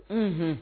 Unhun